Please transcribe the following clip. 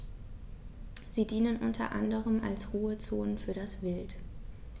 Sie dienen unter anderem als Ruhezonen für das Wild.